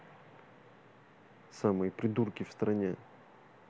самые придурки в стране